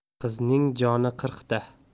qizning joni qirqta